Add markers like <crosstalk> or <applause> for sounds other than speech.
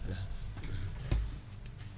<hesitation> <hesitation>